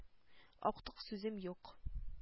— актык сүзем юк.